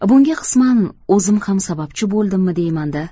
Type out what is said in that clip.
bunga qisman o'zim ham sababchi bo'ldimmi deymanda